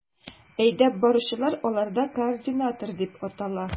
Әйдәп баручылар аларда координатор дип атала.